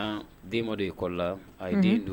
Den madɔ ye kɔrɔ la a ye den don